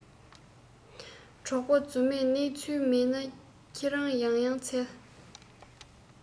གྲོགས པོ རྫུན མས གནས ཚུལ མེད ན ཁྱེད རང ཡང ཡང འཚལ